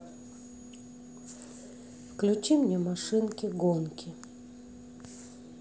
включи мне машинки гонки